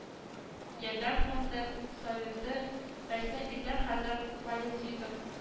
“ярдәм” фонды советы рәисе илдар хәзрәт баязитов